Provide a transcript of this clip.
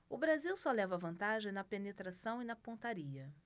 o brasil só leva vantagem na penetração e na pontaria